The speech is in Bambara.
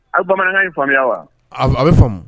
Aw bamanankan ɲi faamuyaya wa a bɛ faamumu